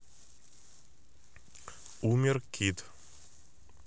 умер кит